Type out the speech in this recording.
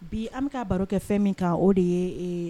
Bi an bɛ ka baro kɛ fɛn min kan o de ye